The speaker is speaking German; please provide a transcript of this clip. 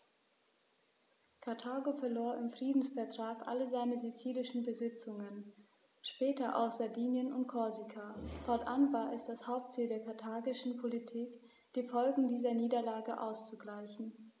Karthago verlor im Friedensvertrag alle seine sizilischen Besitzungen (später auch Sardinien und Korsika); fortan war es das Hauptziel der karthagischen Politik, die Folgen dieser Niederlage auszugleichen.